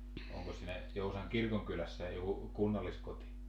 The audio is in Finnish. onko siinä Joutsan kirkonkylässä joku kunnalliskoti